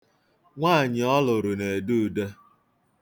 Nwaanyị ọ lụrụ na-ede ude.